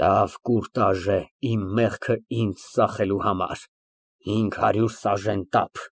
Լավ կուրտաժ է իմ մեղքն ինձ ծախելու համար ֊ հինգ հարյուր սաժեն տափ։